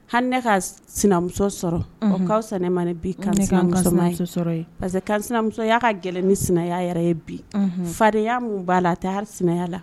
Hali ne ka sinamuso sɔrɔ o ka sani ne ma ne bi parce que ka sinamuso y'a ka gɛlɛn ni sina yɛrɛ ye bi fadenyaya mun b'a la a tɛ ha sinaya la